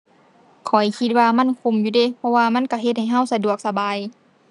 ข้อยคิดว่ามันคุ้มอยู่เดะ เพราะว่ามันก็เฮ็ดให้ก็สะดวกสบาย